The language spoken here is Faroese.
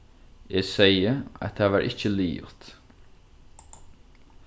eg segði at tað var ikki liðugt